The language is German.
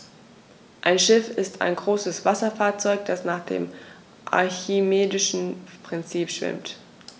Ein Schiff ist ein größeres Wasserfahrzeug, das nach dem archimedischen Prinzip schwimmt.